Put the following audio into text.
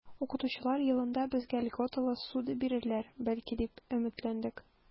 Укытучылар елында безгә льготалы ссуда бирерләр, бәлки, дип өметләндек.